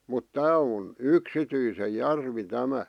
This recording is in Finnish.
mutta tämä on yksityisen järvi tämä